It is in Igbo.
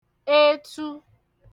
etu